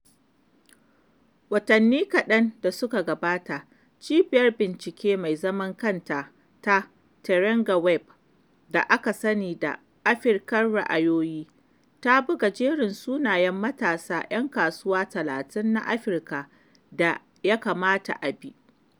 Watanni kaɗan da suka gabata, cibiyar bincike mai zaman kanta ta Terangaweb, da aka sani da “Afirkar Ra'ayoyi,” ta buga jerin sunayen matasa ‘yan kasuwa 30 na Afirka da ya kamata a bi.